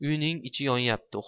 uyning ichi yonayapti